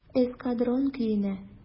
"эскадрон" көенә.